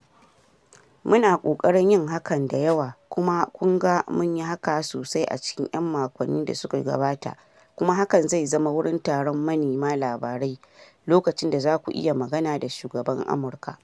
"Muna ƙoƙarin yin hakan da yawa kuma kun ga mun yi haka sosai a cikin 'yan makonnin da suka gabata kuma hakan zai zama wurin taron manema labarai lokacin da za ku iya magana da shugaban Amurka."